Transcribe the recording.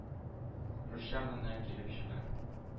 Русча гына килеп чыга.